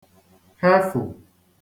hefụ̀